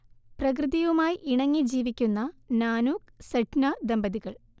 പ്രകൃതിയുമായി ഇണങ്ങി ജീവിക്കുന്ന നാനൂക്ക്, സെഡ്ന ദമ്പതികൾ